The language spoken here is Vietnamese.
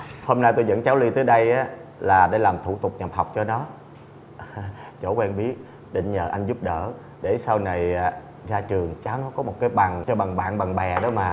hôm nay tui dẫn cháu ly tới đây á là để làm thủ tục nhập học cho nó à hà chỗ quen biết định nhờ anh giúp đỡ để sau này ra trường cháu nó có một cái bằng cho bằng bạn bằng bè đó mà